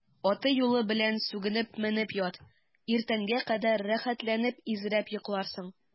Аты-юлы белән сүгенеп менеп ят, иртәнгә кадәр рәхәтләнеп изрәп йокларсың.